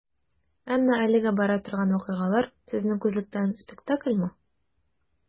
Әмма әлегә бара торган вакыйгалар, сезнең күзлектән, спектакльмы?